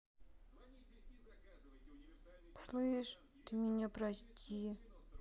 слышь ты меня прости